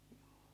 juu